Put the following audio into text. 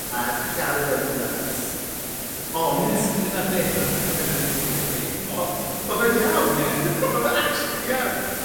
a galw fe'n nyts. Ond... Ie dyna beth odd dyna beth odd instinct fi ond... O- ma fe'n iawn. Ie. Ma' fe actiwali'n iawn!